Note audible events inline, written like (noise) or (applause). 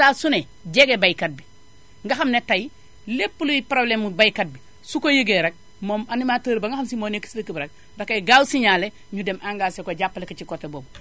saa su ne jege baykat bi nga xam ne tay lépp luy problème mu baykat bi su ko yëgee rekk moom animateur ba nga xam si moo nekk si dëkk bi rekk dakoy gaaw signalé ñu dem engagé ko jàppale ko ci côté boobu (noise)